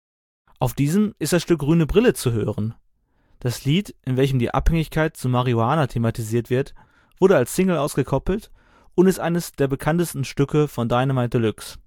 Auf diesem ist das Stück Grüne Brille zu hören. Das Lied, in welchem die Abhängigkeit zu Marihuana thematisiert wird, wurde als Single ausgekoppelt und ist eines der bekanntesten Stücke von Dynamite Deluxe